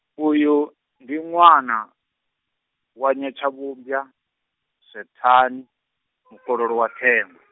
uyu, ndi ṅwana, wa Nyatshavhumbwa, Swethani, mukololo wa Thengwe.